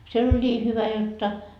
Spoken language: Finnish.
siellä oli niin hyvä jotta